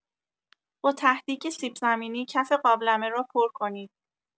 با ته‌دیگ سیب‌زمینی کف قابلمه را پر کنید.